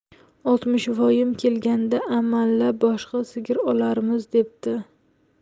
oltmishvoyim kelganida amallab boshqa sigir olarmiz debdi